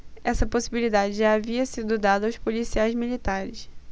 essa possibilidade já havia sido dada aos policiais militares